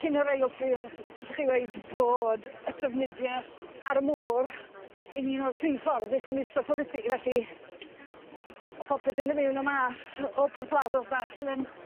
Cyn y rei o ffyrdd allwch chi weud bod y trafnidieth ar y môr in un o'r prif ffordd i symud stwff abyti felly o' popeth yn do' mewn a mas o porthladdodd fach fel 'yn.